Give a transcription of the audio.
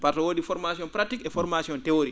par ce ?i woodi formation pratique et formation théorie